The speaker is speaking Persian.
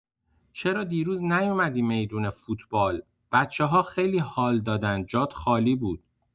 چرا دیروز نیومدی می‌دون فوتبال؟ بچه‌ها خیلی حال دادن جات خالی بود.